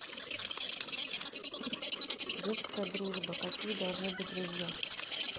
детская дружба какие должны быть друзья